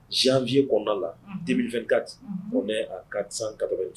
Z vie kɔnɔnaɔn la deelefɛn kati koɛ ka kato ten